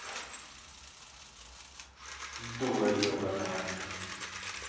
дура ебаная